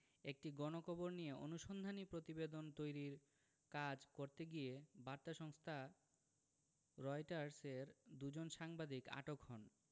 একটি গণকবর নিয়ে অনুসন্ধানী প্রতিবেদন তৈরির কাজ করতে গিয়ে বার্তা সংস্থা রয়টার্সের দুজন সাংবাদিক আটক হন